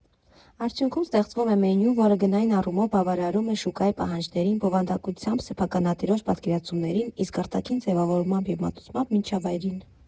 Արդյունքում ստեղծվում է մենյու, որը գնային առումով բավարարում է շուկայի պահանջներին, բովանդակությամբ՝ սեփականատիրոջ պատկերացումներին, իսկ արտաքին ձևավորմամբ և մատուցմամբ՝ միջավայրին։